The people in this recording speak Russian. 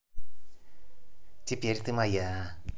теперь ты моя